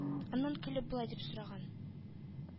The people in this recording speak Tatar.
Аннан көлеп болай дип сораган: